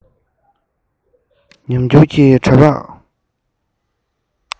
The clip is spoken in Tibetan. ཉམས འགྱུར གྱི འདྲ འབག